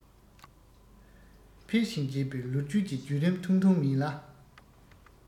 འཕེལ ཞིང རྒྱས པའི ལོ རྒྱུས ཀྱི རྒྱུད རིམ ཐུང ཐུང མིན ལ